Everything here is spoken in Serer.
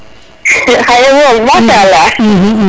xaye moom machaalah